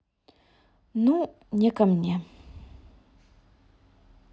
ну не ко мне